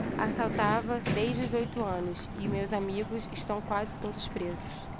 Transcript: assaltava desde os oito anos e meus amigos estão quase todos presos